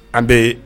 An bɛ